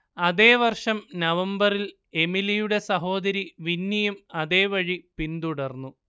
അതേ വർഷം നവംബറിൽ എമിലിയുടെ സഹോദരി വിന്നിയും അതേവഴി പിന്തുടർന്നു